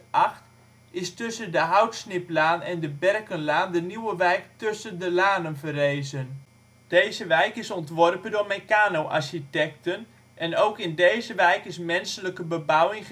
2005 en 2008 is tussen de Houtsniplaan en de Berkenlaan de nieuwe wijk Tussen de Lanen verrezen. Deze wijk is ontworpen door Mecanoo architecten en ook in deze wijk is menselijke bebouwing